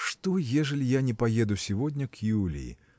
Что, ежели я не поеду сегодня к Юлии?